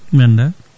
mi anda